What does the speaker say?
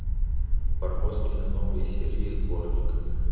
барбоскины новые серии сборник